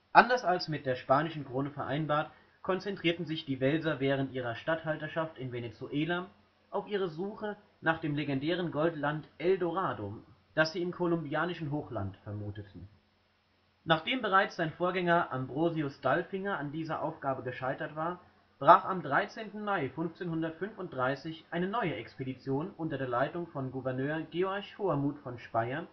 Anders als mit der spanischen Krone vereinbart, konzentrierten sich die Welser während ihrer Statthalterschaft in Venezuela auf die Suche nach dem legendären Goldland „ El Dorado “, das sie im kolumbianischen Hochland vermuteten. Nachdem bereits sein Vorgänger Ambrosius Dalfinger an dieser Aufgabe gescheitert war, brach am 13. Mai 1535 eine neue Expedition unter der Leitung von Gouverneur Georg Hohermuth von Speyer